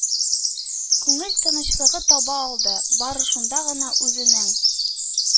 Күңел тынычлыгы таба алды, бары шунда гына үзенең